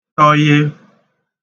tọye